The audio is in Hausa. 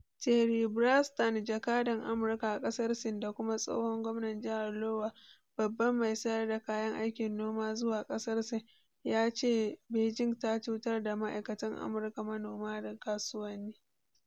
Terry Branstad, jakadan Amurka a kasar Sin da kuma tsohon gwamnan jihar Iowa, babban mai sayar da kayan aikin noma zuwa kasar Sin, ya ce Beijing ta cutar da ma'aikatan Amurka, manoma da kasuwanni.